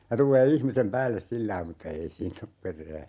ja tulee ihmisen päälle sillä lailla mutta ei siinä ole perää